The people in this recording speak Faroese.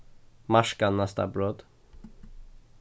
marka næsta brot